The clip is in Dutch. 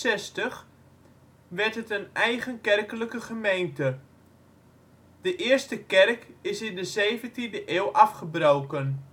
In 1665 werd het een eigen kerkelijke gemeente. De eerste kerk is in de zeventiende eeuw afgebroken